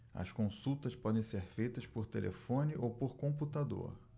as consultas podem ser feitas por telefone ou por computador